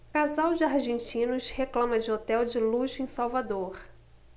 casal de argentinos reclama de hotel de luxo em salvador